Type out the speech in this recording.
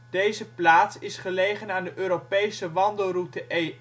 Deze plaats is gelegen aan de Europese wandelroute E11